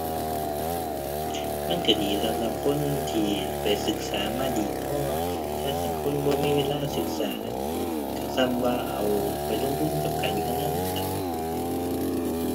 มันก็ดีสำหรับคนที่ไปศึกษามาดีพอ แต่คันคนบ่มีเวลาศึกษา ก็ส่ำว่าเอาไปลงทุนกับการพนันนั่นล่ะ